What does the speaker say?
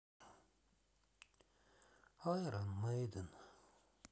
айрон мэйден